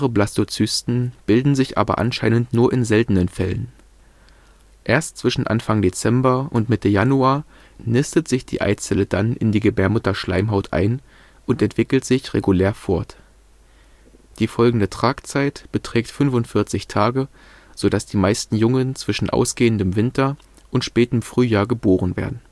Blastozysten bilden sich aber anscheinend nur in seltenen Fällen. Erst zwischen Anfang Dezember und Mitte Januar nistet sich die Eizelle dann in die Gebärmutterschleimhaut ein und entwickelt sich regulär fort. Die folgende Tragzeit beträgt 45 Tage, so dass die meisten Jungen zwischen ausgehendem Winter und spätem Frühjahr geboren werden